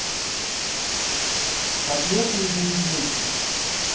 котлеты из индейки